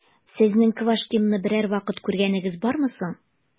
Сезнең Квашнинны берәр вакыт күргәнегез бармы соң?